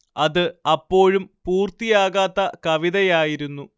അത് അപ്പോഴും പൂർത്തിയാകാത്ത കവിതയായിരുന്നു